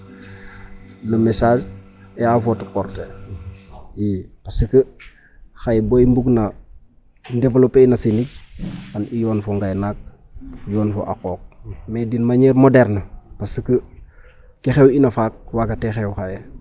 Le message est a votre porter i parce que xaye bo i mbugna développer na sinig xan i yoon fo ngaynaak yoon fo a qooq mais d' une maniere moderne parce que ke xew'ina faak waagatee xew xaye.